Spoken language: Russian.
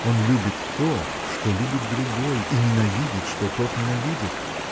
Он любит то, что любит другой, и ненавидит, что тот ненавидит.